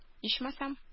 Ичмасам